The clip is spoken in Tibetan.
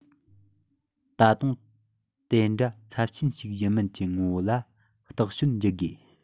ད དུང དེ འདྲ ཚབས ཆེན ཞིག ཡིན མིན གྱི ངོ བོ ལ རྟོག དཔྱོད བགྱི དགོས